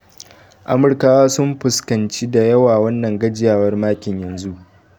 Amurkawa sun fuskanci da yawa wannan gajiyawar makin yanzu.